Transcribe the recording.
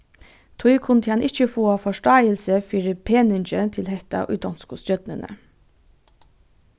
tí kundi hann ikki fáa forstáilsi fyri peningi til hetta í donsku stjórnini